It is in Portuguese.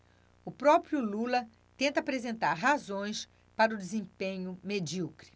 o próprio lula tenta apresentar razões para o desempenho medíocre